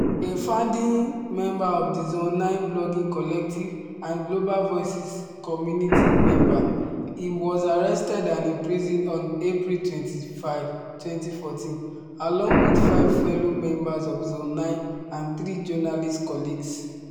A founding member of the Zone9 blogging collective and a Global Voices community member, he was arrested and imprisoned on April 25, 2014 along with five fellow members of Zone9 and three journalist colleagues.